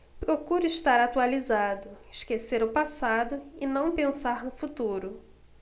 procuro estar atualizado esquecer o passado e não pensar no futuro